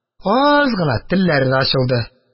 Аз гына телләре дә ачылды.